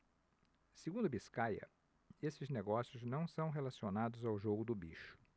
segundo biscaia esses negócios não são relacionados ao jogo do bicho